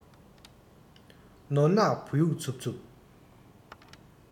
ནོར ནག བུ ཡུག ཚུབ ཚུབ